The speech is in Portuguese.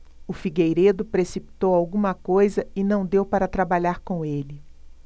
o figueiredo precipitou alguma coisa e não deu para trabalhar com ele